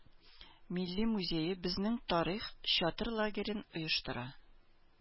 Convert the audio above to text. Милли музее Безнең тарих чатыр лагерен оештыра.